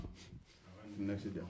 kilinɛsi di yan